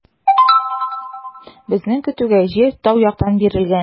Безнең көтүгә җир тау яктан бирелгән.